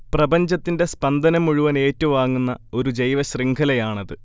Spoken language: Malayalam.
പ്രപഞ്ചത്തിന്റെ സ്പന്ദനം മുഴുവൻ ഏറ്റുവാങ്ങുന്ന ഒരു ജൈവശൃംഖലയാണത്